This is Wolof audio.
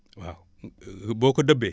waaw boo ko dëbbee